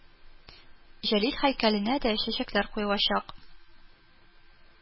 Җәлил һәйкәленә дә чәчәкләр куелачак